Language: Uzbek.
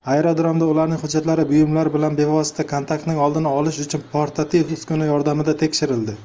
aerodromda ularning hujjatlari buyumlar bilan bevosita kontaktning oldini olish uchun portativ uskuna yordamida tekshirildi